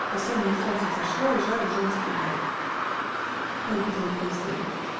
Весеннее солнце взошло, и жар уже наспевал. Я увидел его издали.